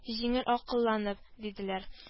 Җиңел акыллыланып”, — диделәр